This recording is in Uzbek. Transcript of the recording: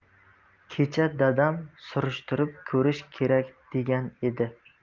kecha dadam surishtirib ko'rish kerak degan edi